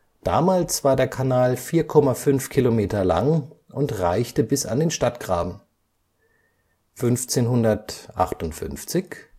Damals war der Kanal 4,5 Kilometer lang und reichte bis an den Stadtgraben. 1558